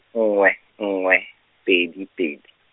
nngwe, nngwe, pedi, pedi.